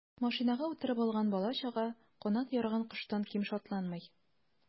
Машинага утырып алган бала-чага канат ярган коштан ким шатланмый.